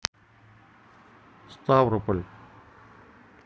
ставрополь